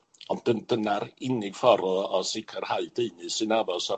Ond dyn- dyna'r unig ffor o o sicirhau deunydd sy'n addas a